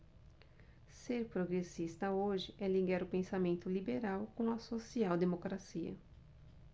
ser progressista hoje é ligar o pensamento liberal com a social democracia